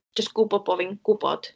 Jyst gwbod bo' fi'n gwbod.